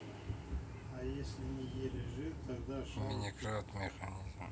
minecraft механизмы